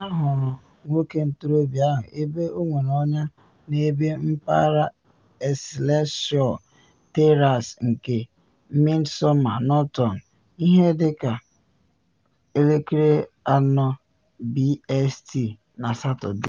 Ahụrụ nwoke ntorobịa ahụ ebe ọ nwere ọnya n’ebe mpaghara Excelsior Terrace nke Midsomer Norton, ihe dị ka 04:00 BST na Satode.